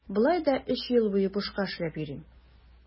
Болай да өч ел буе бушка эшләп йөрим.